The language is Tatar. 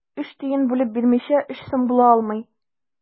Өч тиен бүлеп бирмичә, өч сум була алмый.